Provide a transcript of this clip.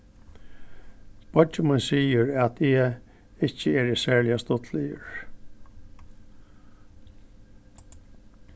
beiggi mín sigur at eg ikki eri serliga stuttligur